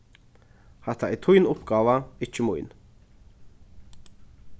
hatta er tín uppgáva ikki mín